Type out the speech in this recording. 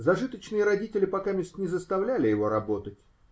Зажиточные родители покамест не заставляли его работать.